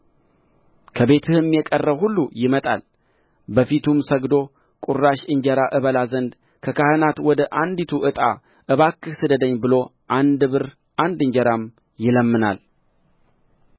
ከቤትህም የቀረው ሁሉ ይመጣል በፊቱም ሰግዶ ቍራሽ እንጀራ እበላ ዘንድ ከካህናት ወደ አንዲቱ ዕጣ እባክህ ስደደኝ ብሎ አንድ ብር አንድ እንጀራም ይለምናል